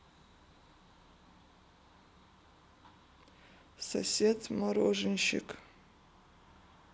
сосед мороженщик